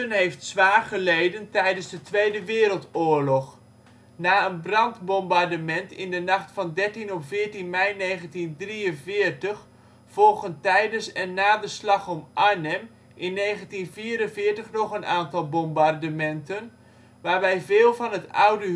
heeft zwaar geleden tijdens de Tweede Wereldoorlog. Na een brandbombardement in de nacht van 13 op 14 mei 1943 volgen tijdens en na de Slag om Arnhem in 1944 nog een aantal bombardementen, waarbij veel van het oude